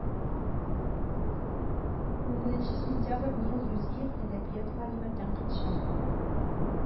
Унберенче сентябрь нил юзиев, әдәбият галиме, тәнкыйтьче